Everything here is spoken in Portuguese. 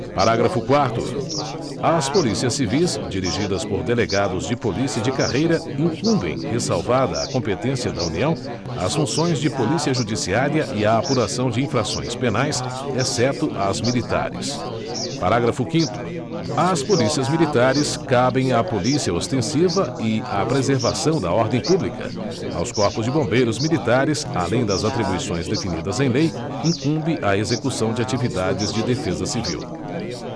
parágrafo quarto às polícias civis dirigidas por delegados de polícia de carreira incumbem ressalvada a competência da união as funções de polícia judiciária e a apuração de infrações penais exceto as militares parágrafo quinto às polícias militares cabem a polícia ostensiva e a preservação da ordem pública aos corpos de bombeiros militares além das atribuições definidas em lei incumbe a execução de atividades de defesa civil